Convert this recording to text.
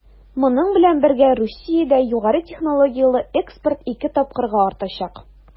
Моның белән бергә Русиядә югары технологияле экспорт 2 тапкырга артачак.